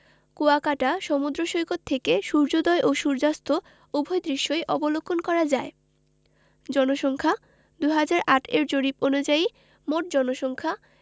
কুয়াকাটা সমুদ্র সৈকত থেকে সূর্যোদয় ও সূর্যাস্ত উভয় দৃশ্যই অবলোকন করা যায় জনসংখ্যাঃ ২০০৮ এর জরিপ অনুযায়ী মোট জনসংখ্যা